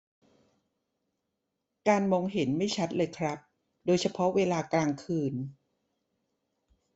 การมองเห็นไม่ชัดเลยครับโดยเฉพาะเวลากลางคืน